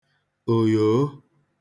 òyòo